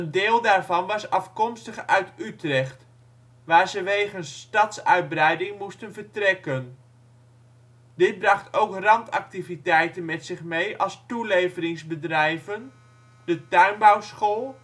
deel daarvan was afkomstig uit Utrecht, waar ze wegens stadsuitbreiding moesten vertrekken. Dit bracht ook randactiviteiten met zich mee als toeleveringsbedrijven, de tuinbouwschool